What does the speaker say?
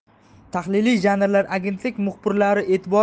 tahliliy janrlar agentlik muxbirlari